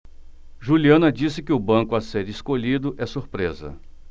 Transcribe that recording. juliana disse que o banco a ser escolhido é surpresa